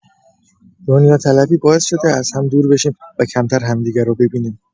دنیاطلبی باعث شده از هم دور بشیم و کمتر همدیگه رو ببینیم.